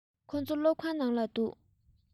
ཁོ ཚོ སློབ ཁང ནང ལ འདུག